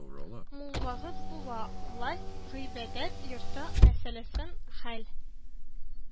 Муллагыз була, власть гыйбадәт йорты мәсьәләсен хәл